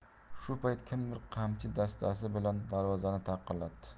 shu payt kimdir qamchi dastasi bilan darvozani taqillatdi